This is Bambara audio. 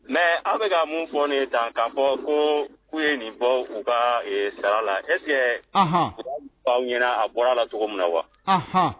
Mɛ aw bɛ ka mun fɔ nin ta k'a fɔ ko'u ye nin bɔ u ka sara la ɛse baw ɲɛna a bɔra la cogo min na wa